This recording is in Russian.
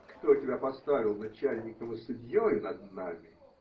Кто тебя поставил начальником и судьею над нами?